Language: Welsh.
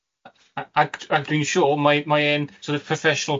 A- a- ac ac dwi'n siŵr mae mae e'n sor' of professional.